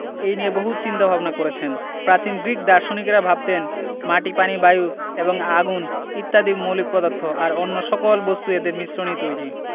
এ নিয়ে বহু চিন্তা ভাবনা করেছেন প্রাচীন গ্রিক দার্শনিকেরা ভাবতেন মাটি পানি বায়ু এবং আগুন ইত্যাদি মৌলিক পদার্থ আর অন্য সকল বস্তু এদের মিশ্রণে তৈরি